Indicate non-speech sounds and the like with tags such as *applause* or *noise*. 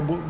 *hesitation* *hesitation*